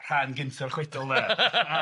rhan gynta'r chwedl 'na.